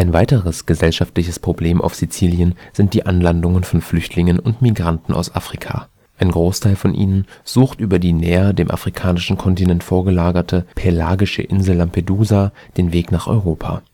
weiteres gesellschaftliches Problem auf Sizilien sind die Anlandungen von Flüchtlingen und Migranten aus Afrika. Ein Großteil von ihnen sucht über die näher dem afrikanischen Kontinent vorgelagerte pelagische Insel Lampedusa den Weg nach Europa